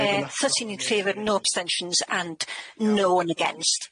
e- thirteen in favor, no abstentions and no one against.